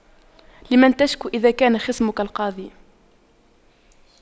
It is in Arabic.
لمن تشكو إذا كان خصمك القاضي